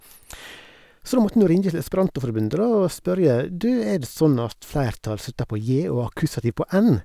Du, er det sånn at flertall slutter på j og akkusativ på n?